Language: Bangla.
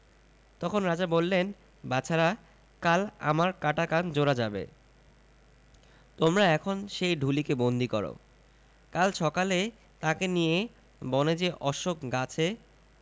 তখন রাজা বললেন বাছারা কাল আমার কাটা কান জোড়া যাবে তোমরা এখন সেই ঢুলিকে বন্দী কর কাল সকালে তাকে নিয়ে বনে যে অশ্বখ গাছে